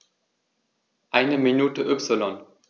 Eine Minute Y